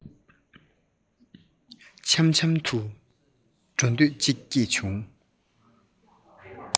འཆམ འཆམ དུ འགྲོ འདོད ཅིག སྐྱེས བྱུང